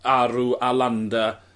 Aru a Landa